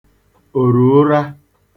òrùụra